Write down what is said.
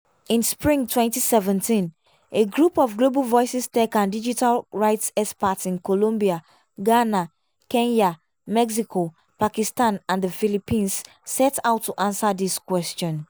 In spring 2017, a group of Global Voices tech and digital rights experts in Colombia, Ghana, Kenya, Mexico, Pakistan and the Philippines set out to answer this question.